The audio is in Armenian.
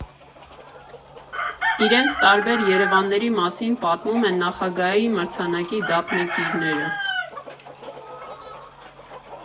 Իրենց տարբեր Երևանների մասին պատմում են Նախագահի մրցանակի դափնեկիրները։